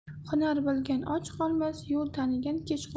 hunar bilgan och qolmas yo'l tanigan kech qolmas